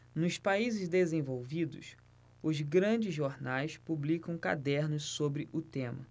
nos países desenvolvidos os grandes jornais publicam cadernos sobre o tema